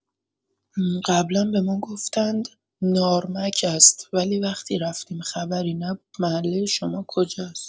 قبلا به ما گفتند نارمک است ولی وقتی رفتیم خبری نبود محله شما کجاست؟